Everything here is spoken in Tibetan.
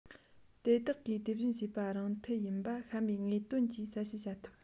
དེ དག གིས དེ བཞིན བྱེད པ རང འཐད ཡིན པ གཤམ མའི དངོས དོན གྱིས གསལ བཤད བྱ ཐུབ